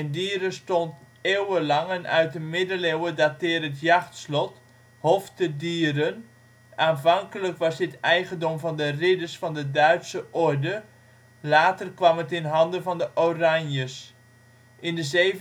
Dieren stond eeuwenlang een uit de middeleeuwen daterend jachtslot: Hof te Dieren. Aanvankelijk was dit eigendom van de ridders van de Duitse Orde, later kwam het in handen van de Oranje 's. In de 17e en 18e